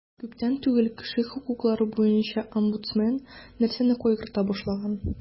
Күптән түгел кеше хокуклары буенча омбудсмен нәрсәне кайгырта башлаган?